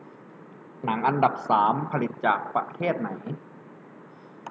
หนังอันดับสามผลิตจากประเทศไหน